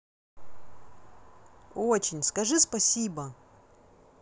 очень скажи спасибо